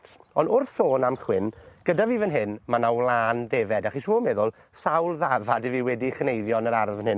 Ond wrth sôn am chwyn, gyda fi fan hyn, ma' na wlân ddefed, a chi siŵr o meddwl, sawl ddafad i fi wedi chneifio yn yr ardd fan hyn.